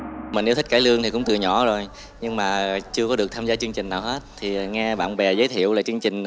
mình yêu thích cải lương thì cũng từ nhỏ rồi nhưng mà chưa có được tham gia chương trình nào hết thì nghe bạn bè giới thiệu là chương trình